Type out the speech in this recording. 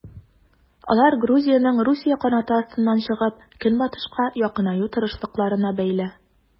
Алар Грузиянең Русия канаты астыннан чыгып, Көнбатышка якынаю тырышлыкларына бәйле.